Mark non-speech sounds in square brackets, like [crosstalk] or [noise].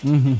[hesitation] [hesitation]